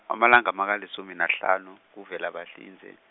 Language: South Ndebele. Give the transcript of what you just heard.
amalanga makalisumi nahlanu, kuVelabahlinze.